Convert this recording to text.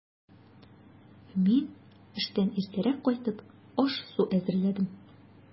Мин, эштән иртәрәк кайтып, аш-су әзерләдем.